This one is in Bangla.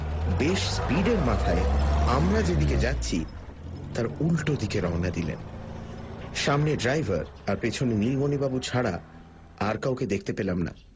বেশ স্পিডের মাথায় আমরা যেদিকে যাচ্ছি তার উলটা দিকে রওনা দিলেন সামনে ড্রাইভার আর পিছনে নীলমণিবাবু ছাড়া আর কাউকে দেখতে পেলাম না